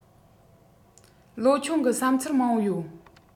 ལོ ཆུང གི བསམ ཚུལ མང པོ ཡོད